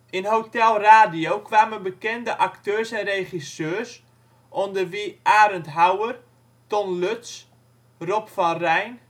In Hotel Radio kwamen bekende acteurs en regisseurs (onder wie Arend Hauer, Ton Lutz, Rob van Reijn